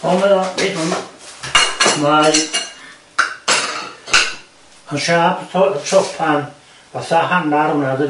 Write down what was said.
Ond yy yy mae ma' siâp yy chopan faha hannar hwnna dydi?